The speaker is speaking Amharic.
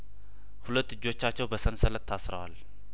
ሁለት እጆቻቸው በሰንሰለት ታስረዋል